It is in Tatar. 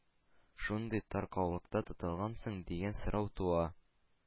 Шундый таркаулыкта тотылган соң, дигән сорау туа.